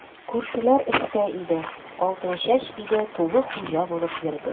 Күршеләр эштә иде, Алтынчәч өйдә тулы хуҗа булып йөрде.